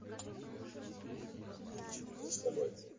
мультики для ста лет